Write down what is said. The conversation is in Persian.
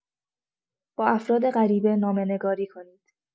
با افراد غریبه نامه نگاری کنید!